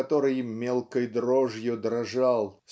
который "мелкой дрожью дрожал"